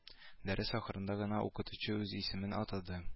Дәрес ахырында гына укытучы үз исемен атады